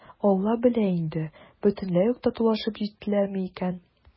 «алла белә инде, бөтенләй үк татулашып җиттеләрме икән?»